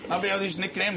A be' o'dd 'is nic nem...